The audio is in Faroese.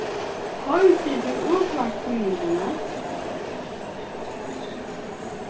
hoyrdi tú útvarpstíðindini